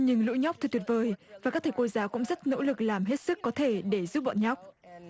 nhưng lũ nhóc thật tuyệt vời cho các thầy cô giáo cũng rất nỗ lực làm hết sức có thể để giúp bọn nhóc